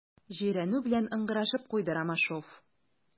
Җирәнү белән ыңгырашып куйды Ромашов.